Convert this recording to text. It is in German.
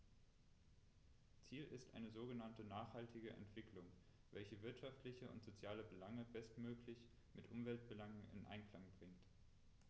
Ziel ist eine sogenannte nachhaltige Entwicklung, welche wirtschaftliche und soziale Belange bestmöglich mit Umweltbelangen in Einklang bringt.